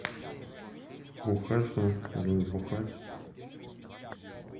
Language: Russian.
бухать мне или не бухать